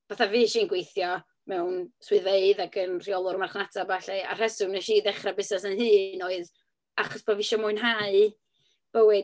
Fatha fues i'n gweithio mewn swyddfeydd ac yn rheolwr marchnata a ballu. A'r rheswm wnes i ddechrau busnes yn hun oedd achos bo' fi isio mwynhau bywyd.